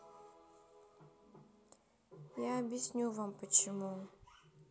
я объясню вам почему